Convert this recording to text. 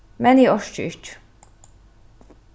men eg orki ikki